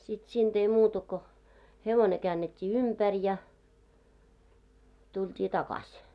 no sitten siinä ei muuta kuin hevonen käännettiin ympäri ja tultiin takaisin